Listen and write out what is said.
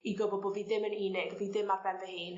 i gwbo bo' fi ddim yn unig bo' fi ddim ar ben fy hun